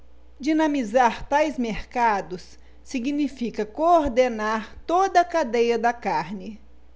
dinamizar tais mercados significa coordenar toda a cadeia da carne